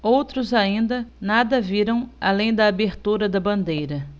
outros ainda nada viram além da abertura da bandeira